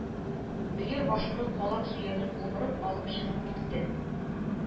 Өер башының калак сөяген умырып алып чыгып китте